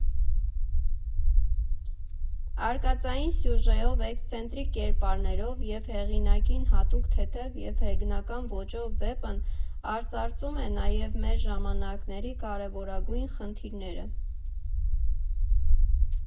Արկածային սյուժեով, էքսցենտրիկ կերպարներով և հեղինակին հատուկ թեթև և հեգնական ոճով վեպն արծարծում է նաև մեր ժամանակների կարևորագույն խնդիրները։